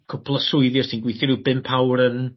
cwpwl o swyddi os ti'n gwithio ryw bump awr yn